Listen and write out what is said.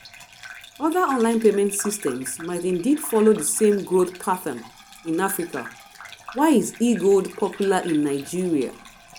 Other online payment systems might indeed follow the same growth pattern, in Africa: Why is e-gold popular in Nigeria?